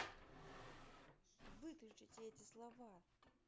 выключите эти слова